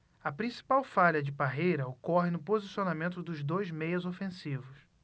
a principal falha de parreira ocorre no posicionamento dos dois meias ofensivos